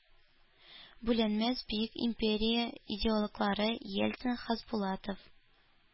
«бүленмәс бөек империя» идеологлары, ельцин, хасбулатов,